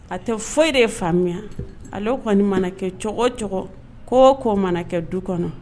A tɛ foyi de faamuya ale kɔni manakɛ cogo cogo k'o'o mana kɛ du kɔnɔ